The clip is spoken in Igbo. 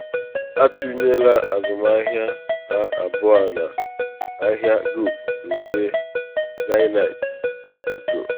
Atụnyela azụmahịa ha abụọ n’ahịa Goop nke Gwyneth Paltrow.